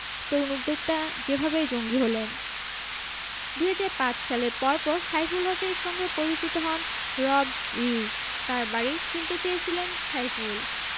তরুণ উদ্যোক্তা যেভাবে জঙ্গি হলেন ২০০৫ সালের পরপর সাইফুল হকের সঙ্গে পরিচিত হন রব রিজ তাঁর বাড়ি কিনতে চেয়েছিলেন সাইফুল